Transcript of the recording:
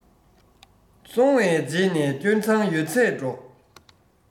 སོང བའི རྗེས ནས སྐྱོན མཚང ཡོད ཚད སྒྲོག